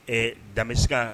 Ɛɛ danbemisi